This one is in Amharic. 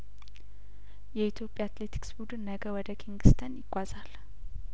የኢትዮጵያ አትሌቲክስ ቡድን ነገ ወደ ኪንግስተን ይጓዛል